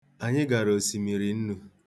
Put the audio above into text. Anyị gara òsìmìrìnnū.